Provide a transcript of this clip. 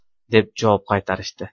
deb javob qaytarishdi